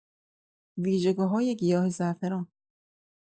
ویژگی‌های گیاه زعفران